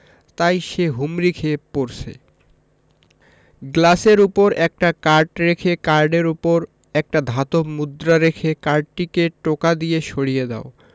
তাই সে হুমড়ি খেয়ে পড়ছে গ্লাসের উপর একটা কার্ড রেখে কার্ডের উপর একটা ধাতব মুদ্রা রেখে কার্ডটিকে টোকা দিয়ে সরিয়ে দাও